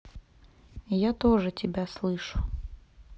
я тоже тебя слышу